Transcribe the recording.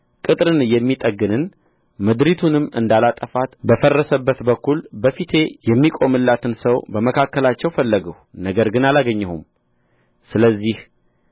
ቅጥርን የሚጠግንን ምድሪቱንም እንዳላጠፋት በፈረሰበት በኩል በፊቴ የሚቆምላትን ሰው በመካከላቸው ፈለግሁ ነገር ግን አላገኘሁም ስለዚህ